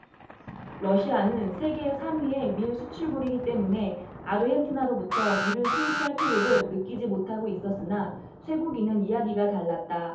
러시아는 세계 삼 위의 밀 수출국이기 때문에 아르헨티나로부터 밀을 수입할 필요를 느끼지 못하고 있었으나 쇠고기는 이야기가 달랐다